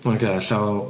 Oce, llaw...